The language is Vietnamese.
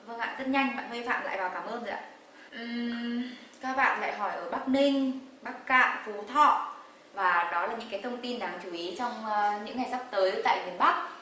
vâng ạ rất nhanh bạn mây phạm lại vào cảm ơn rồi ạ ừm các bạn lại hỏi ở bắc ninh bắc cạn phú thọ và đó là những cái thông tin đáng chú ý trong những ngày sắp tới tại miền bắc